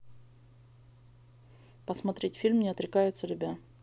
посмотреть фильм не отрекаются любя